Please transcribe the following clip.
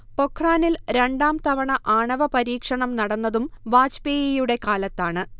പൊഖ്റാനിൽ രണ്ടാംതവണ ആണവ പരീക്ഷണം നടന്നതും വാജ്പേയിയുടെ കാലത്താണ്